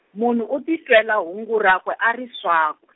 munhu u titwela hungu rakwe a ri swakw- .